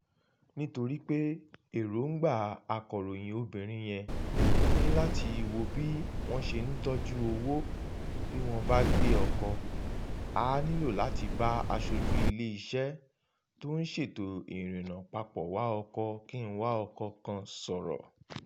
Nítorí pé èròńgbà Akọ̀ròyìn obìnrin yẹn ni láti wo bí wọ́n ṣe ń tọ́jú owó bí wọ́n bá gbé ọkọ̀, a nílò láti bá aṣojú iléeṣẹ́ tó ń ṣètò ìrìnnà-papọ̀-wa-ọkọ̀-kí-n-wa-ọkọ̀ kan sọ̀rọ̀